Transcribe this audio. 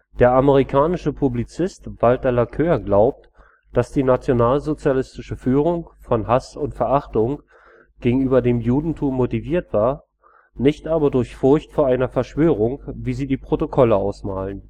Der amerikanische Publizist Walter Laqueur glaubt, dass die nationalsozialistische Führung von Hass und Verachtung gegenüber dem Judentum motiviert war, nicht aber durch Furcht vor einer Verschwörung, wie sie die Protokolle ausmalen